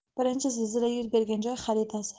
birinchi zilzila yuz bergan joy xaritasi